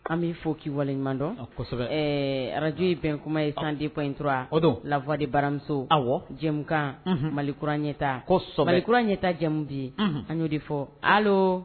An b'i fo k'i waleɲumandɔn, kosɛbɛ, ɛɛ arajo ye bɛn kuma ye 102.3, o don, la voix de baramuso, awɔ, jamumukanunhun, Mali kura ɲɛtaa, kosɛbɛ, Mali kura ɲɛta jɛmu bɛ yen, unhun, allo